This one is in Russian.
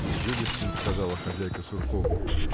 – с живостью сказала хозяйка Суркову